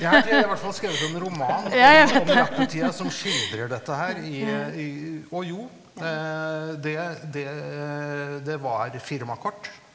jeg jeg har i hvert fall skrevet en roman om om jappetida som skildrer dette her i i og jo det det det var firmakort.